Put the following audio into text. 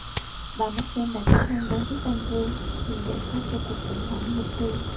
bà merkel đã đích thân đến istanbul tìm giải pháp cho cuộc khủng hoảng nhập cư